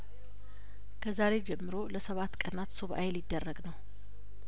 ከዛሬ ጀምሮ ለሰባት ቀናት ሱባኤ ሊደረግ ነው